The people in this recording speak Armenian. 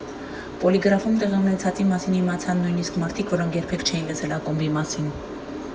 Պոլիգրաֆում տեղի ունեցածի մասին իմացան նույնիսկ մարդիկ, որոնք երբեք չէին լսել ակումբի մասին։